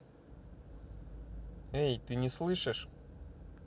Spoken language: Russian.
эй ты не слышишь